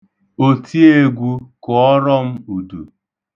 Otiegwu, kụọrọ m udu.